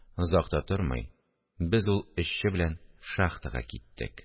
Озак та тормый, без ул эшче белән шахтага киттек